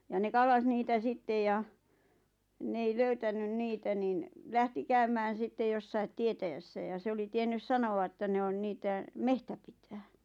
ja ne kallasi niitä sitten ja ne ei löytänyt niitä niin lähti käymään sitten jossakin tietäjässä ja se oli tiennyt sanoa että ne on niitä metsä pitää